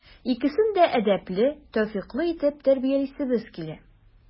Икесен дә әдәпле, тәүфыйклы итеп тәрбиялисебез килә.